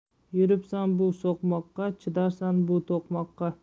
yuribsan bu so'qmoqqa chidarsan bu to'qmoqqa